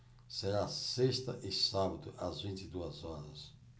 será sexta e sábado às vinte e duas horas